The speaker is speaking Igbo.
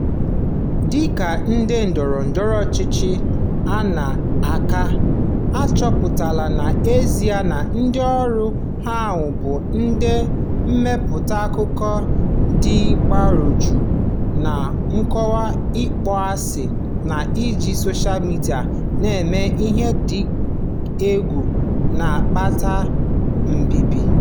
Dị ka ndị ndọrọ ndọrọ ọchịchị na-ama aka, a chọpụtaala n'ezie na ndị ọrụ a bụ ndị na-emepụta akụkọ adịgboroja na okwu ịkpọasị, na-eji soshaa midịa na-eme ihe dị egwu na-akpata mbibi.